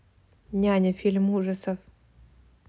няня фильм ужасов